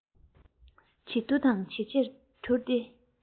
ཇེ ཐུ དང ཇེ ཆེར གྱུར ཏེ